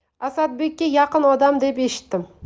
asadbekka yaqin odam deb eshitdim